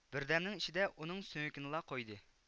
بىردەمنىڭ ئىچىدە ئۇنىڭ سۆڭىكىنىلا قويدى